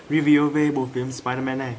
review về bộ phim spiderman này